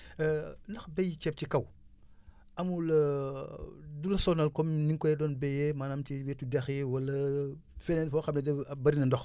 ndax bay ceeb ci kaw amul du la sonal comme ni ñu ko doon bayee maanaam ci wetu dex yi wala feneen fopo xam ne dina bëri na ndox